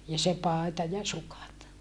ja se paita ja sukat